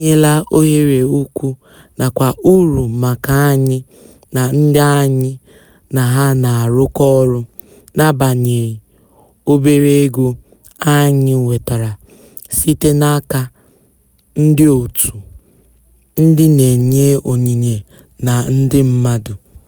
O nyela ohere ukwuu nakwa ụrụ maka anyị na ndị anyị na ha na-arụkọ ọrụ, n'agbanyeghị obere ego anyị nwetara site n'aka ndịòtù ndị na-enye onyinye na ndị mmadụ.